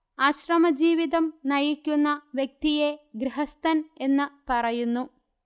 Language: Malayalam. ആശ്രമജീവിതം നയിക്കുന്ന വ്യക്തിയെ ഗൃഹസ്ഥൻ എന്ന് പറയുന്നു